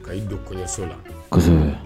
Ka i don kɔɲɔnso la